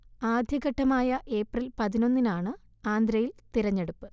ആദ്യഘട്ടമായ April പതിനൊന്നിന് ആണ് ആന്ധ്രയിൽ തിരഞ്ഞെടുപ്പ്